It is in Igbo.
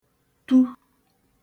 tu